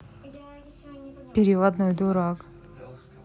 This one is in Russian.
переводной дурак